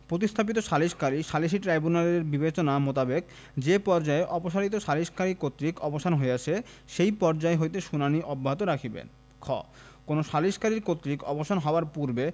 প্রতিস্থাপিত সালিসকারী সালিসী ট্রাইব্যুনালের বিচেনা মোতাবেক যে পর্যায়ে অপসারিত সালিসকারীর কর্তৃক্ব অবসান হইয়াছে সেই পর্যায় হইতে শুনানী অব্যাহত রাখিবেন খ কোন সালিসকারীর কর্তৃত্ব অবসান হওয়ার পূর্বে